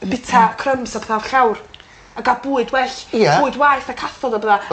bita crumbs a petha o'r llawr a ga'l bwyd well... Ie. ...bwyd waeth a cathod a petha...